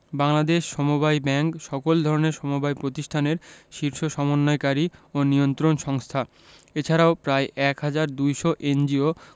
Bangladesh Samabay Bank সকল ধরনের সমবায় প্রতিষ্ঠানের শীর্ষ সমন্বয়কারী ও নিয়ন্ত্রণ সংস্থা এছাড়াও প্রায় ১ হাজার ২০০ এনজিও